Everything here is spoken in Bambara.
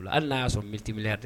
Hali n' y'a sɔrɔ mtimliya tɛ